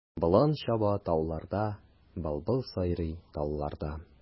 Болан чаба тауларда, былбыл сайрый талларда.